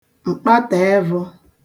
mkpatàevū